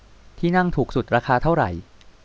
ที่นั่งถูกสุดราคาเท่าไหร่